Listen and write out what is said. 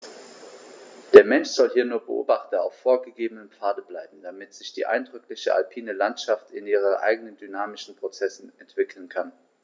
Der Mensch soll hier nur Beobachter auf vorgegebenen Pfaden bleiben, damit sich die eindrückliche alpine Landschaft in ihren eigenen dynamischen Prozessen entwickeln kann.